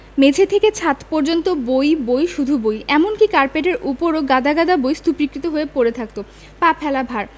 মেঝে থেকে ছাত পর্যন্ত বই বই শুধু বই এমনকি কার্পেটের উপরও গাদা গাদা বই স্তূপীকৃত হয়ে পড়ে থাকত পা ফেলা ভার